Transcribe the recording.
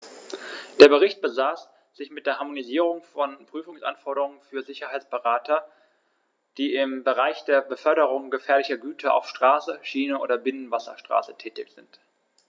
Der Bericht befasst sich mit der Harmonisierung von Prüfungsanforderungen für Sicherheitsberater, die im Bereich der Beförderung gefährlicher Güter auf Straße, Schiene oder Binnenwasserstraße tätig sind.